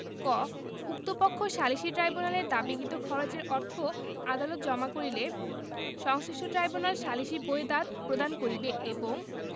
ক উক্ত পক্ষ সালিসী ট্রাইব্যুনালের দাবীকৃত খরচের অর্থ আদালত জমা করিলে সংশ্লিষ্ট ট্রাইব্যুনাল সালিসী বোয়েদাদ প্রদান করিবে এবং